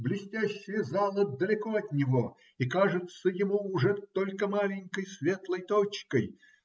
Блестящая зала далеко от него и кажется ему уже только маленькой светлой точкой.